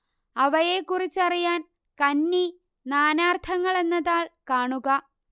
അവയെക്കുറിച്ചറിയാന് കന്നി നാനാര്ത്ഥങ്ങള് എന്ന താള് കാണുക